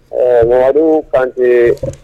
Ɛɛ mɛdenw fante